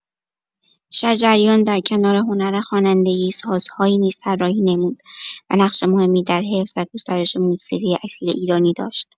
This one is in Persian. شجریان در کنار هنر خوانندگی، سازهایی نیز طراحی نمود و نقش مهمی در حفظ و گسترش موسیقی اصیل ایرانی داشت.